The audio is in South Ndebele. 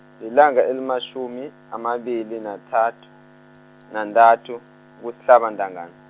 lilanga elimatjhumi, amabili nathathu, nantathu kusihlaba intangana.